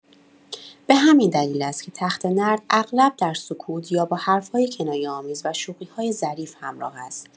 به همین دلیل است که تخته‌نرد اغلب در سکوت یا با حرف‌های کنایه‌آمیز و شوخی‌های ظریف همراه است.